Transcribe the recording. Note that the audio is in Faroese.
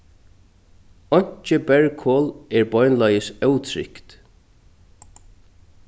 einki berghol er beinleiðis ótrygt